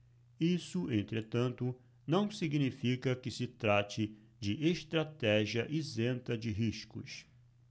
isso entretanto não significa que se trate de estratégia isenta de riscos